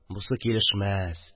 Бусы килешмәс